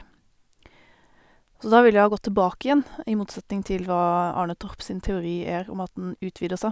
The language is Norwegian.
Så da vil det jo ha gått tilbake igjen, i motsetning til hva Arne Torp sin teori er, om at den utvider seg.